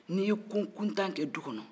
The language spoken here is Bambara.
n'i ye ko kuntan kɛ dukɔnɔ